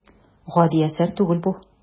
Гади әсәр түгел бу.